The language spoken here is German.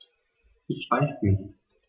Ich weiß nicht.